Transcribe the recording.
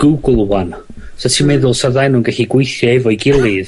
*Googlw ŵan. 'Sa ti'n meddwl 'sa ddau o nw'n gallu gweithio efo'i gilydd.